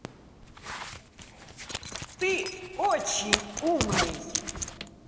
ты очень умный